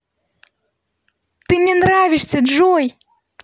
ты мне нравишься джой